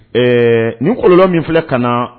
Ɛɛ nin kololɔ min filɛ ka na